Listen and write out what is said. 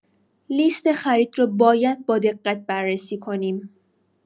لیست خرید رو باید با دقت بررسی کنیم.